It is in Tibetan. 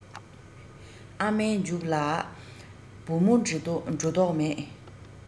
ཨ མའི མཇུག ལ བུ མོ འགྲོ མདོག མེད